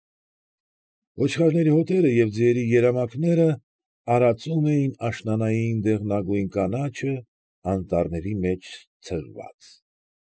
Ոչխարների հոտերը և ձիերի երամակները արածում էին աշնանային դեղնագույն կանաչը, անտառների մեջ ցրված։